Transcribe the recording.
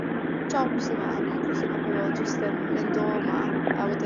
jobs yma felly ma' pobol jyst yn mynd oma a wedyn ma'r hanes